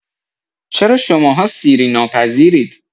چرا شماها سیری ناپذیرید؟!